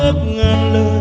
có